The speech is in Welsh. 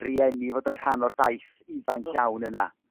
i rieni fod yn rhan o'r daith ifanc iawn yna.